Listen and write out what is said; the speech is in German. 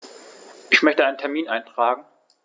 Ich möchte einen Termin eintragen.